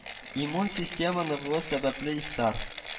Иммун системы ныгуы сәбәпле ифтар